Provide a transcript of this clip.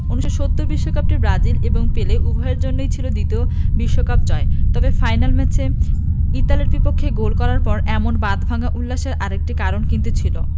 ১৯৭০ বিশ্বকাপটি ব্রাজিল এবং পেলে উভয়ের জন্যই ছিল তৃতীয় বিশ্বকাপ জয় তবে ফাইনাল ম্যাচে ইতালির বিপক্ষে গোল করার পর এমন বাঁধভাঙা উল্লাসের আরেকটি কারণ কিন্তু ছিল